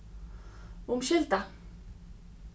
umskylda